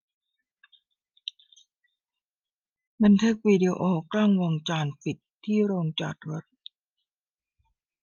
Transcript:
บันทึกวีดีโอกล้องวงจรปิดที่โรงจอดรถ